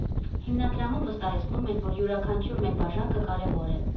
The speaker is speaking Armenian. Հիմնադրամում վստահեցնում են, որ յուրաքանչյուր «մեկ բաժակը» կարևոր է։